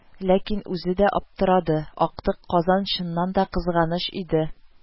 Ләкин үзе дә аптырады: актык казан чыннан да кызганыч иде